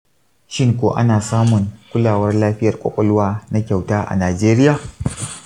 shin ko ana samun kulawar lafiyar ƙwaƙwalwa na kyauta a najeriya?